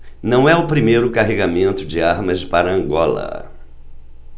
não é o primeiro carregamento de armas para angola